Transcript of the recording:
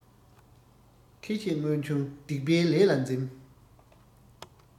ཁེ ཆེ མངོན ཆུང སྡིག པའི ལས ལ འཛེམ